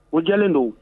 O jɛlen don